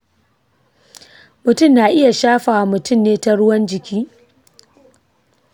mutum na iya shafawa mutum ne ta ruwan jiki.